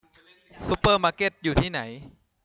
ซุเปอร์มาร์เก็ตอยู่ที่ไหน